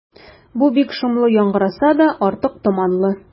Бу бик шомлы яңгыраса да, артык томанлы.